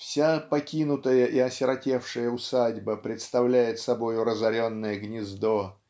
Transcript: вся покинутая и осиротевшая усадьба представляют собою разоренное гнездо